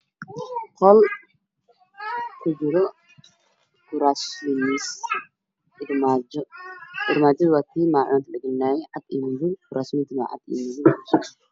Qol ku jiro kuraas iyo miis armaajo armaajada waa tii ma cunata la gelinayay cad iyo madow kuraastana waa cad iyo madiw